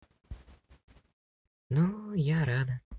ну я рада